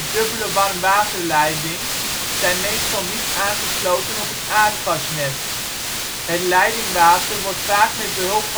dubbele warmwaterleiding zijn meestal niet aangesloten op het aardgasnet. Het leidingwater wordt vaak met behulp